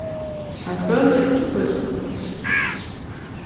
hann kølir ikki pípuna